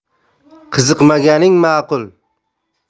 qiziqmaganing ma'qul